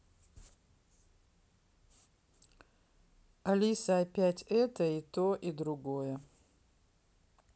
алиса опять это и то и другое